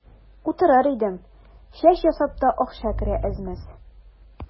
Утырыр идем, чәч ясап та акча керә әз-мәз.